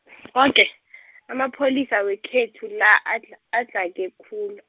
okay , amapholisa wekhethu la adla- adlange khu- .